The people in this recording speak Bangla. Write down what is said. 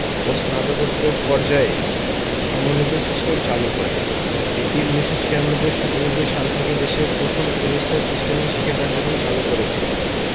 ও স্নাতকোত্তর পর্যায়ে সমন্বিত সিস্টেম চালু করে এটি ১৯৯৬ ৯৭ সাল থেকে দেশের প্রথম সেমিস্টার সিস্টেমে শিক্ষা কার্যক্রম চালু করেছে